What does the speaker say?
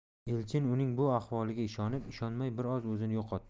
elchin uning bu ahvoliga ishonib ishonmay bir oz o'zini yo'qotdi